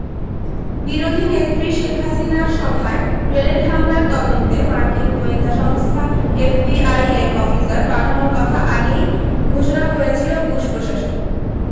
বিরোধী নেত্রী শেখ হাসিনার সভায় গ্রেনেড হামলার তদন্তে মার্কিন গোয়েন্দা সংস্থা এফবিআই এর অফিসার পাঠানোর কথা আগেই ঘোষণা করেছিল বুশ প্রশাসন